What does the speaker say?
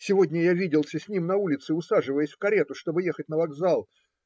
Сегодня я виделся с ним на улице, усаживаясь в карету, чтобы ехать на вокзал.